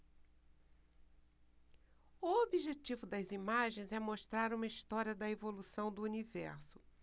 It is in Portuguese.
o objetivo das imagens é mostrar uma história da evolução do universo